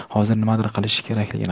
hozir nimadir qilish kerakligini